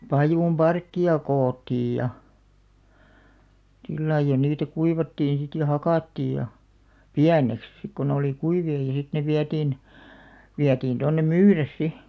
pajun parkkia koottiin ja sillä lailla ja niitä kuivattiin sitten ja hakattiin ja pieneksi sitten kun ne oli kuivia ja sitten ne vietiin vietiin tuonne myydä sitten